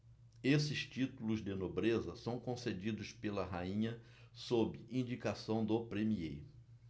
esses títulos de nobreza são concedidos pela rainha sob indicação do premiê